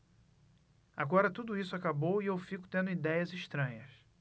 agora tudo isso acabou e eu fico tendo idéias estranhas